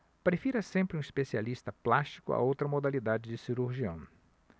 prefira sempre um especialista plástico a outra modalidade de cirurgião